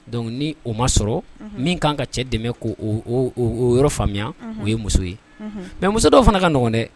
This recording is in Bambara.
Dɔnkuc ni o ma sɔrɔ min kan ka cɛ dɛmɛ k' o yɔrɔ faamuya o ye muso ye mɛ muso dɔw fana ka nɔgɔɔgɔn dɛ